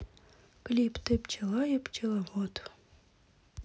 клип ты пчела я пчеловод